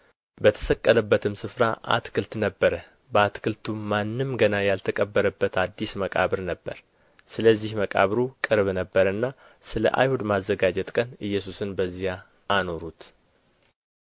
በተሰቀለበትም ስፍራ አትክልት ነበረ በአትክልቱም ማንም ገና ያልተቀበረበት አዲስ መቃብር ነበረ ስለዚህ መቃብሩ ቅርብ ነበረና ስለ አይሁድ ማዘጋጀት ቀን ኢየሱስን በዚያ አኖሩት